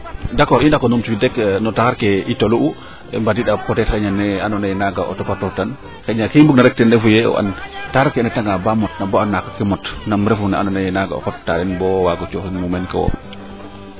d' accord i ndako numtu wiid rek no taxar ke i tolu'u i mbadiida coté xeñeen ne ando naye naaga o topatoor tan xayna ke i mbung na rek ten refu yee o an taxar ke ndeta nga ba mot a naaqa ke mot nam refu na ando naye naaga o xota den bo waago cooxin mumeen ke wo